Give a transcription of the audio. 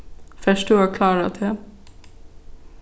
fert tú at klára teg